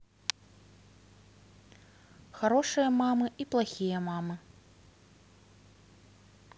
хорошие мамы и плохие мамы